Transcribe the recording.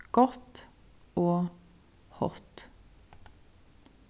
gott og hátt